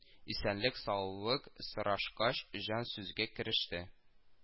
Исәнлек-саулык сорашкач, Җан сүзгә кереште